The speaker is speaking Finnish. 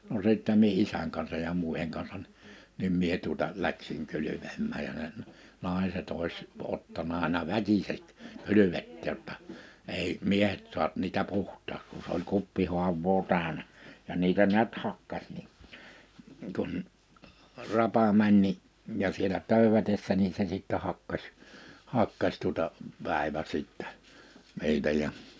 no sitten minä isän kanssa ja muiden kanssa niin niin minä tuota lähdin kylpemään ja ne naiset olisi ottanut aina väkisin kylvettää jotta ei miehet saa niitä puhtaaksi kun se oli kuppihaavaa täynnä ja niitä näet hakkasi niin kun rapa meni niin ja siellä töydätessä niin se sitten hakkasi hakkasi tuota päivä sitten niitä ja